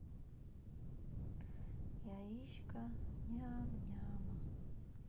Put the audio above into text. яичко ням няма